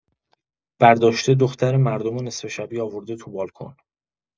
برداشته دختر مردم و نصف شبی آورده تو بالکن.